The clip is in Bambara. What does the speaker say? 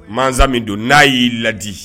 Mansa min do n'a y'i ladi